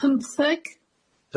pymtheg?